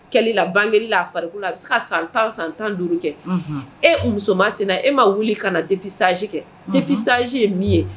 Kɛlɛ la ban kelenla a farila a bɛ se ka san tan san tan duuru kɛ e musoman ma senina e ma wuli ka na depsaji kɛ depsaji ye min ye